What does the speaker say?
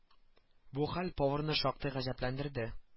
Бу хәл поварны шактый гаҗәпләндерде